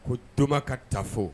Ko doma ka tafo